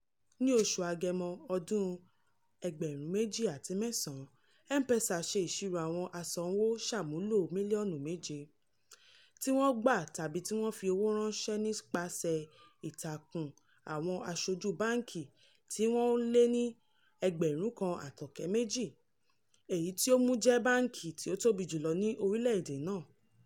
Ní oṣù Agẹmọ ọdún 2009 M-Pesa ṣe ìṣirò àwọn aṣanwóṣàmúlò mílíọ̀nù méje, tí wọ́n gbà tàbí fi owó ránṣẹ́ nípasẹ̀ ìtakùn àwọn aṣojú báǹkì tí wọ́n lé ní 1400, èyí tí ó mú u jẹ́ báǹkì tí ó tóbi jùlọ ní orílẹ̀-èdè náà.